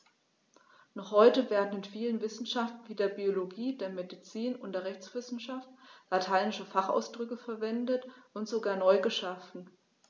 Noch heute werden in vielen Wissenschaften wie der Biologie, der Medizin und der Rechtswissenschaft lateinische Fachausdrücke verwendet und sogar neu geschaffen.